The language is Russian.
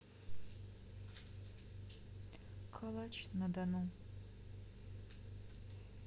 калач на дону